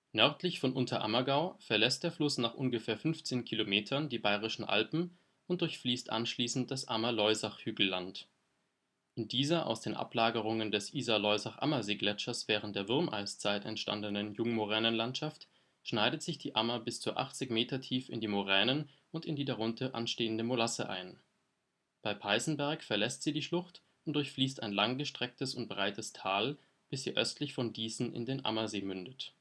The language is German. Nördlich von Unterammergau verlässt der Fluss nach ungefähr 15 Kilometern die Bayerischen Alpen und durchfließt anschließend das Ammer-Loisach-Hügelland. In dieser aus den Ablagerungen des Isar-Loisach-Ammersee-Gletschers während der Würmeiszeit entstandenen Jungmoränenlandschaft schneidet sich die Ammer bis zu 80 Meter tief in die Moränen und in die darunter anstehende Molasse ein. Bei Peißenberg verlässt sie die Schlucht und durchfließt ein lang gestrecktes und breites Tal, bis sie östlich von Dießen in den Ammersee mündet